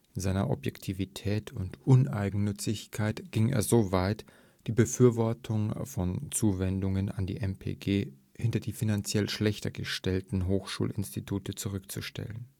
seiner Objektivität und Uneigennützigkeit ging er so weit, die Befürwortung von Zuwendungen an die MPG hinter die finanziell schlechter gestellten Hochschulinstitute zurückzustellen